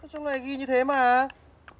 trong này ghi như thế mà